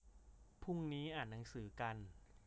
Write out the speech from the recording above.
พรุ่งนี้อ่านหนังสือกัน